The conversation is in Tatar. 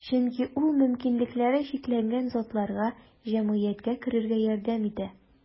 Чөнки ул мөмкинлекләре чикләнгән затларга җәмгыятькә керергә ярдәм итә.